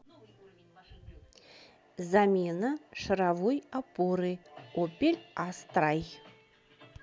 замена шаровые опоры opel astra j